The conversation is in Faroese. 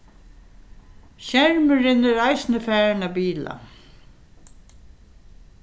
skermurin er eisini farin at bila